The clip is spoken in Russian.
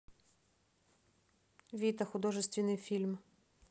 вита художественный фильм